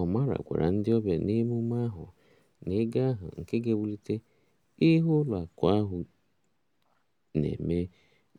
Omarah gwara ndị ọbịa n'emume ahụ na ego ahụ, nke ga-ewulite ihe ụlọ akụ ahụ na-eme,